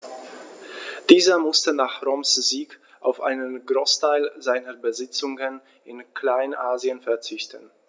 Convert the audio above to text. Dieser musste nach Roms Sieg auf einen Großteil seiner Besitzungen in Kleinasien verzichten.